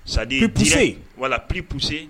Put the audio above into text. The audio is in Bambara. Saditisɛ wa ppsee